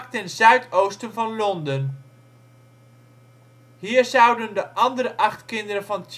ten zuidoosten van Londen. Hier zouden de andere acht kinderen van